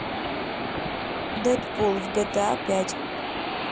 дэд пул в гта пять